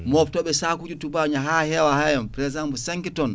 moftoɓe sakuji tubaño ha hewa ha hewa par exemple 5 tonnes